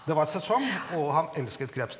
det var sesong og han elsket kreps.